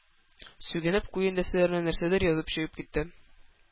Сүгенеп, куен дәфтәренә нәрсәдер язып чыгып китте.